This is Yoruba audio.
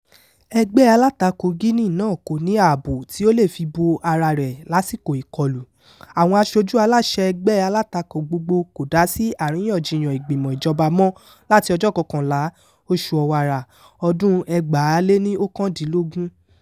Ẹgbẹ́ alátakò Guinea náà kò ní ààbò tí ó lè fi bo araa rẹ̀ lásìkò ìkọlù: àwọn aṣojú aláṣẹ ẹgbẹ́ alátakò gbogbo kò dá sí àríyànjiyàn ìgbìmọ̀ ìjọba mọ́ láti ọjọ́ 11, oṣù Ọ̀wàrà 2019.